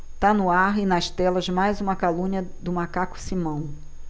tá no ar e nas telas mais uma calúnia do macaco simão